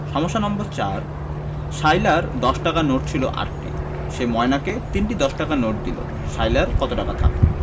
সমস্যা নাম্বার ৪ সায়লার দশ টাকার নোট ছিল ৮টি সে ময়নাকে ৩টি দশ টাকার নোট দিল সায়লার কত টাকা থাকল